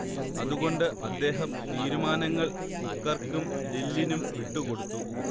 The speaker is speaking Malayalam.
അതുകൊണ്ട് അദ്ദേഹം തീരുമാനങ്ങൾ ഹുക്കർക്കും ലില്ലിനും വിട്ടുകൊടുത്തു